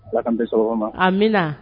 La bɛ ma amina